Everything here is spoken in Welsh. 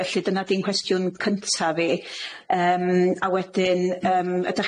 Felly dyna 'di'n nghwestiwn cynta' fi yym a wedyn yym ydach